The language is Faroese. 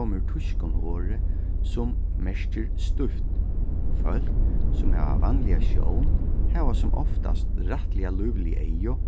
koma úr týskum orði sum merkir stívt fólk sum hava vanliga sjón hava sum oftast rættiliga lívlig eygu